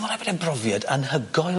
Ma' raid bod e'n brofiad anhygoel.